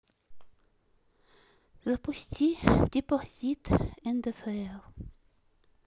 запусти депозит ндфл